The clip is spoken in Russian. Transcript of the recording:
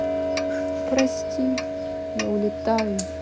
прости я улетаю